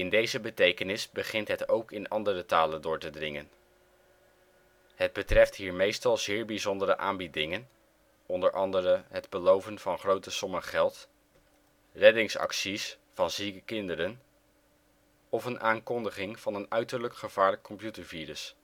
deze betekenis begint het ook in andere talen door te dringen. Het betreft hier meestal zeer bijzondere aanbiedingen (onder meer het beloven van grote sommen geld), reddingsacties van zieke kinderen (waardoor iemand een telefoon roodgloeiend had staan) of een aankondiging van een uitzonderlijk gevaarlijk computervirus